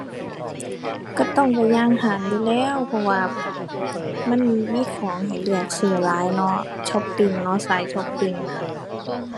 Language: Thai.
ก็ต้องไปย่างห้างอยู่แล้ว เพราะว่ามันมีของให้เลือกซื้อหลายเนาะ ช็อปปิงเนาะ สายช็อปปิงน่ะ